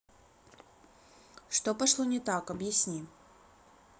что пошло не так объясни